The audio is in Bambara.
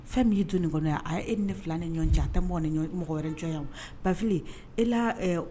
Fɛn min bɛ du in kɔnɔya a ye ne ni e 2 ni ɲɔgɔn cɛ, a tɛ ni mɔgɔ wɛrɛ ni ɲɔgɔn cɛ, ba fili e la